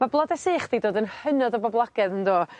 Ma' blode sych 'di dod yn hynod o boblogaidd yndo?